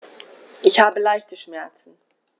Ich habe leichte Schmerzen.